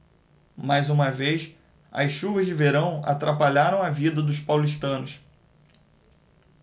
mais uma vez as chuvas de verão atrapalharam a vida dos paulistanos